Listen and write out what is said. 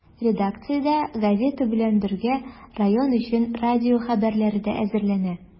Редакциядә, газета белән бергә, район өчен радио хәбәрләре дә әзерләнә.